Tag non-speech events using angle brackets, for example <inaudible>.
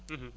<hesitation> <hesitation>